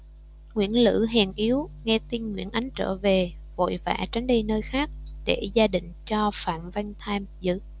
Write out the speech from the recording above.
nguyễn lữ hèn yếu nghe tin nguyễn ánh trở về vội vã tránh đi nơi khác để gia định cho phạm văn tham giữ